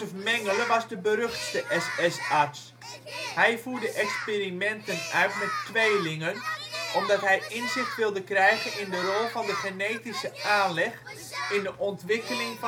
was de beruchtste SS-arts. Hij voerde experimenten uit met tweelingen, omdat hij inzicht wilde krijgen in de rol van de genetische aanleg in de ontwikkeling